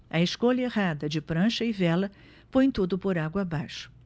a escolha errada de prancha e vela põe tudo por água abaixo